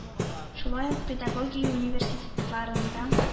Шулай ук педагогия университетларында